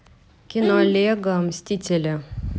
кино лего мстители